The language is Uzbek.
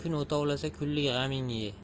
kun o'tovlasa kunlik g'amingni ye